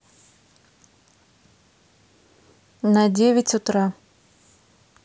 на девять утра